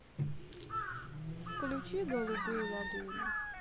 включи голубую лагуну